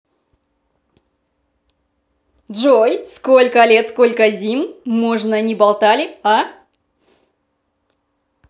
джой сколько лет сколько зим можно не болтали а